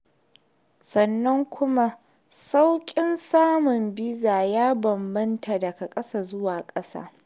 Sannan kuma sauƙin samun biza ya bambamta daga ƙasa zuwa ƙasa.